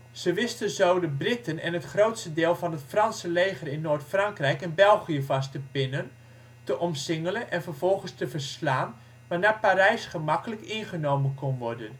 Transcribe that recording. Ze wisten zo de Britten en het grootste deel van het Franse leger in Noord-Frankrijk en België vast te pinnen, te omsingelen en vervolgens te verslaan waarna Parijs gemakkelijk ingenomen kon worden